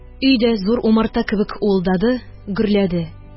Өй дә зур умарта кебек уылдады, гөрләде